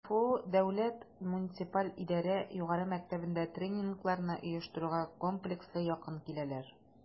КФУ Дәүләт һәм муниципаль идарә югары мәктәбендә тренингларны оештыруга комплекслы якын киләләр: